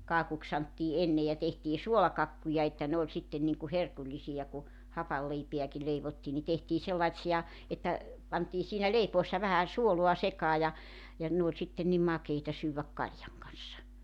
kakuksi sanottiin ennen ja tehtiin suolakakkuja että ne oli sitten niin kuin herkullisia kun hapanleipääkin leivottiin niin tehtiin sellaisia että pantiin siinä leipoessa vähän suolaa sekaan ja ja ne oli sitten niin makeita syödä kaljan kanssa